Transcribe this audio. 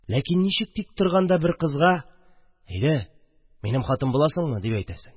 Ләкин ничек тик торганда бер кызга: «Әйдә, минем хатын буласыңмы?» – дип әйтәсең